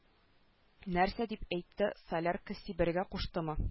Нәрсә дип әйтте солярка сибәргә куштымы